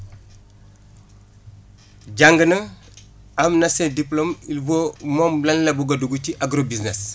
jàng na am na ses diplômes il vaut moom lan la bugg a dugg ci agro business